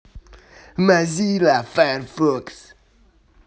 мазила файрфокс